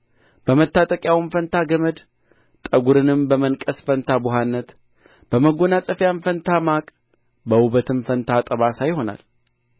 በመታጠቂያውም ፋንታ ገመድ ጠጕርንም በመንቀስ ፋንታ ቡሀነት በመጐናጸፊያ ፋንታ ማቅ በውበትም ፋንታ ጠባሳ ይሆናል